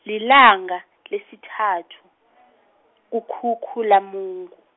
lilanga, lesithathu, uKhukhulamungu.